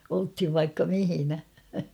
oltiin vaikka missä